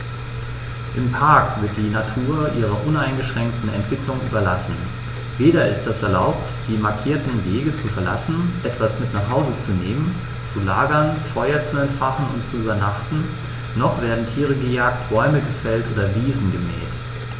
Im Park wird die Natur ihrer uneingeschränkten Entwicklung überlassen; weder ist es erlaubt, die markierten Wege zu verlassen, etwas mit nach Hause zu nehmen, zu lagern, Feuer zu entfachen und zu übernachten, noch werden Tiere gejagt, Bäume gefällt oder Wiesen gemäht.